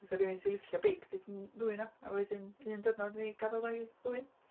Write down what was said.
Fysa rhywun sy'n licio beic byth yn ddwyn o a wedyn un diwrnod mi gafodd o'i ddwyn.